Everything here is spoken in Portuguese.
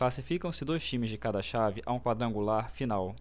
classificam-se dois times de cada chave a um quadrangular final